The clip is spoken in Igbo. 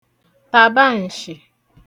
tàbaǹshì